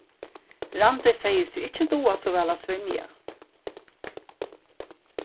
randi segði seg ikki duga so væl at svimja